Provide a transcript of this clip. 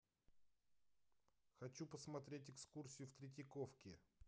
хочу посмотреть экскурсию в третьяковке